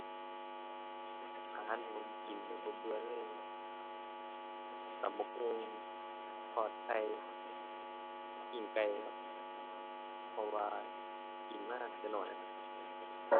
อาหารที่ผมกินแล้วบ่เบื่อเลย ก็ตำบักหุ่ง ทอดไข่ ปิ้งไก่ครับ เพราะว่ากินมาแต่น้อยละครับ